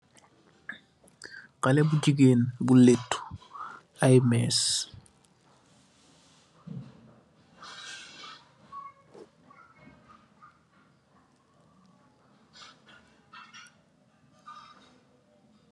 Khaleh bu jigain bu laituh, aye mees.